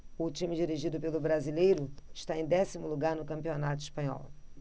o time dirigido pelo brasileiro está em décimo lugar no campeonato espanhol